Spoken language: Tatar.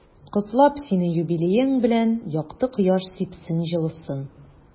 Котлап сине юбилеең белән, якты кояш сипсен җылысын.